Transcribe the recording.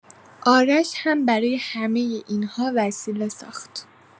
آرش هم برای همۀ این‌ها وسیله ساخت.